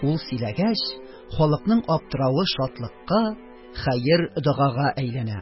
Ул сөйләгәч, халыкның аптыравы шатлыкка, хәер-догага әйләнә.